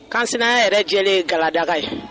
Kans yɛrɛ lajɛlen ga daga ye